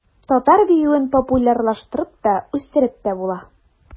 Татар биюен популярлаштырып та, үстереп тә була.